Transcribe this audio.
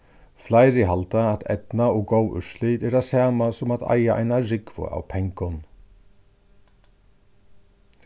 fleiri halda at eydna og góð úrslit er tað sama sum at eiga eina rúgvu av pengum